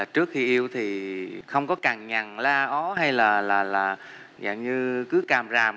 trước khi yêu thì không có cằn nhằn la ó hay là là là dạng như cứ càm ràm